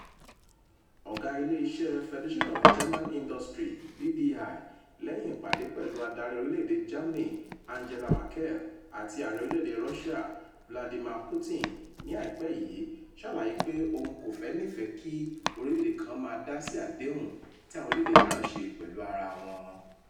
"Ọ̀gá ilé iṣẹ́ Federation of German Industries (BDI), lẹ́yìn ìpàdé pẹ̀lú adarí orílẹ̀èdè Germany Angela Merkel àti ààrẹ orílẹ̀èdè Russia Vladimir Putin ní àìpẹ́ yìí ṣàlàyé pé òun kò nífẹ̀ẹ́ kí orílẹ̀èdè kan máa dásí àdéhùn tí àwọn orílẹ̀èdè mìíràn ṣe pẹ̀lú ara wọn.